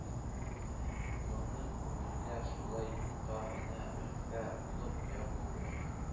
Моңның күңелгә шулай юка гына элпә булып ягылуы,